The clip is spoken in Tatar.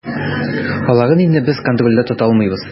Аларын инде без контрольдә тота алмыйбыз.